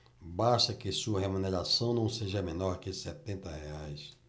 basta que sua remuneração não seja menor que setenta reais